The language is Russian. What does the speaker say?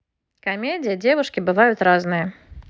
комедия девушки бывают разные